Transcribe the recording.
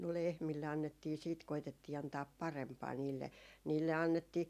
no lehmille annettiin sitten koetettiin antaa parempaa niille niille annettiin